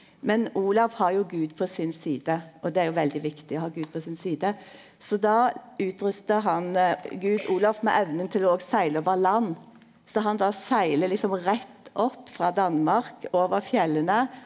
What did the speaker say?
men Olav har jo gud på sin side og det er jo veldig viktig å ha gud på sin side så då utrustar han gud Olav med evna til å og segle over land så han då segler liksom rett opp frå Danmark over fjella.